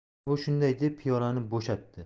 u shunday deb piyolani bo'shatdi